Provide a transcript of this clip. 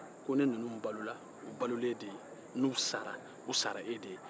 ko ni ninnu balola u balolaa e de ye n'u sara u sara e de ye